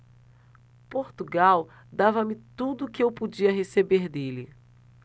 portugal dava-me tudo o que eu podia receber dele